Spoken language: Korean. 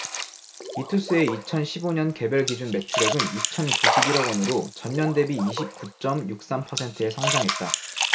이투스의 이천 십 오 년 개별기준 매출액은 이천 구십 일 억원으로 전년 대비 이십 구 쩜 육 삼 퍼센트의 성장했다